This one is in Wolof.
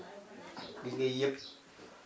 gis nga yii yëpp